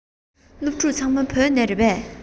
སློབ ཕྲུག ཚང མ བོད ལྗོངས ནས རེད པས